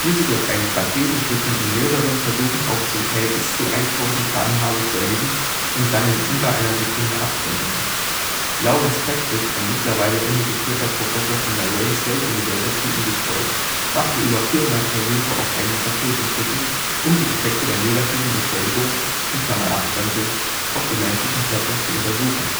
sich auf einem Raketenschlitten in mehreren Versuchen auf zum Teil bis zu 1000 km/h beschleunigen, und dann in unter einer Sekunde abbremsen. Lawrence Patrick, ein mittlerweile emeritierter Professor von der Wayne State University (Detroit), machte über 400 Versuche auf einem Raketenschlitten, um die Effekte der negativen Beschleunigung (Abbremsung) auf den menschlichen Körper zu untersuchen